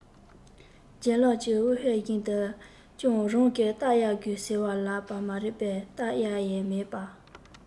ལྗད ལགས ཀྱིས དབུགས ཧལ བཞིན དུ སྤྱང རང གིས རྟ གཡར དགོས ཟེར ལབ པ མ རེད པས རྟ གཡར ཡས མེད པ